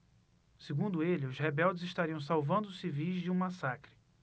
segundo ele os rebeldes estariam salvando os civis de um massacre